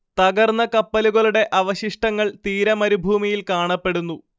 തകർന്ന കപ്പലുകളുടെ അവശിഷ്ടങ്ങൾ തീര മരുഭൂമിയിൽ കാണപ്പെടുന്നു